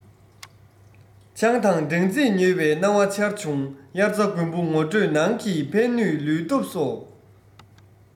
ཆང དང སྦྲང རྩིས མྱོས པའི སྣང བ འཆར བྱུང དབྱར རྩྭ དགུན འབུ ངོ སྤྲོད ནང གི ཕན ནུས ལུས སྟོབས གསོ